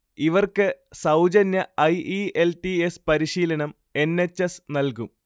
ഇവർക്ക് സൗജന്യ I. E. L. T. S പരിശീലനം എൻ. എച്ച്. എസ് നൽകും